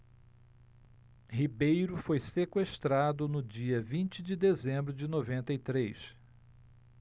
ribeiro foi sequestrado no dia vinte de dezembro de noventa e três